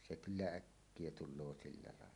se kyllä äkkiä tulee sillä lailla